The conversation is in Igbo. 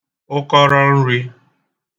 ụkọrọnrī